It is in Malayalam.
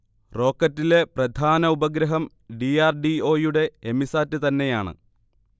റോക്കറ്റിലെ പ്രധാന ഉപഗ്രഹം ഡി. ആർ. ഡി. ഓ. യുടെ എമിസാറ്റ് തന്നെയാണ്